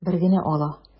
Бер генә ала.